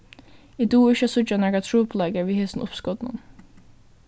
eg dugi ikki at síggja nakrar trupulleikar við hesum uppskotinum